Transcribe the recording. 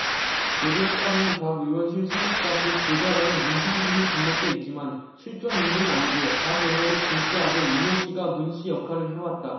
보도에 따르면 박 의원실 소속 사 급 보좌관에 문창준이 등록돼 있지만 실존 인물이 아니고 박 의원의 둘째 아들 이모 씨가 문씨 역할을 해왔다